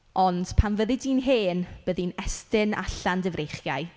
Ond pan fyddi di'n hen, byddi'n estyn allan dy freichiau.